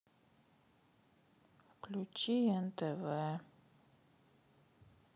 выключи нтв